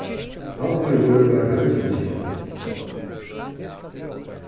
havgrímur var høvdingi